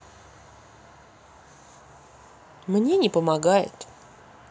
мне не помогает